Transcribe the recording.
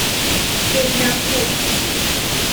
ปิดน้ำอุ่น